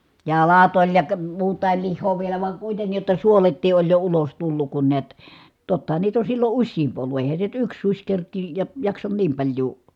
jalat oli ja - muutakin lihaa vielä vaan kuitenkin jotta suoletkin oli jo ulos tullut kun näet tottahan niitä on silloin useampi ollut eihän se nyt yksi susi kerkiä ja jaksa niin paljoa